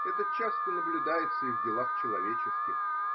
Это часто наблюдается и в делах человеческих.